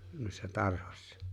noissa tarhoissa